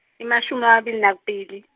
emashumi lamabili nakubili.